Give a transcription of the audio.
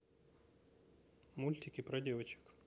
мультики про девчонок